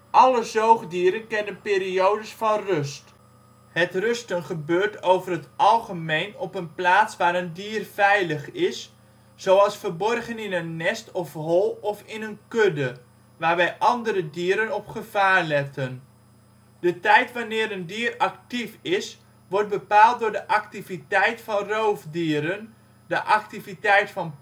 Alle zoogdieren kennen periodes van rust. Het rusten gebeurt over het algemeen op een plaats waar een dier veilig is, zoals verborgen in een nest of hol of in een kudde, waarbij andere dieren op gevaar letten. De tijd wanneer een dier actief is wordt bepaald door de activiteit van roofdieren, de activiteit van